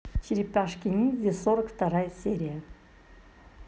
черепашки ниндзя сорок вторая серия